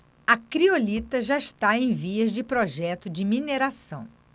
a criolita já está em vias de projeto de mineração